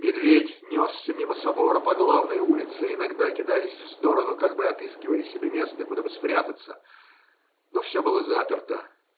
Медведь несся мимо собора, по главной улице, иногда кидаясь в сторону, как бы отыскивая себе место, куда бы спрятаться, но все было заперто.